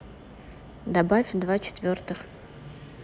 добавь два четвертых